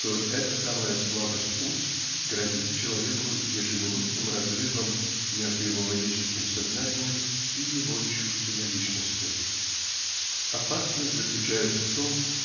что эта самая слабость уз грозит человеку ежеминутный разрывом между его логическим сознанием и его чувственной личностью. Опасность заключается в том